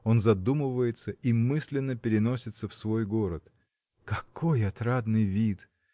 Он задумывается и мысленно переносится в свой город. Какой отрадный вид!